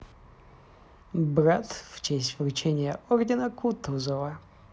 брат в честь вручения ордена кутузова